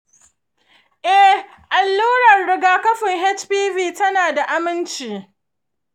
ee, allurar rigakafin hpv tana da aminci.